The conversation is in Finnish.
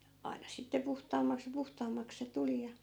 aina sitten puhtaammaksi ja puhtaammaksi se tuli ja